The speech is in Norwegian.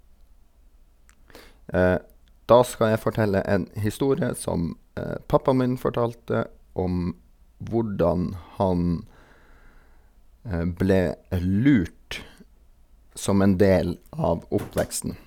Da skal jeg fortelle en historie som pappaen min fortalte om hvordan han ble lurt som en del av oppveksten.